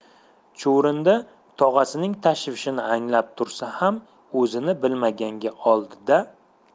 chuvrindi tog'asining tashvishini anglab tursa ham o'zini bilmaganga oldi da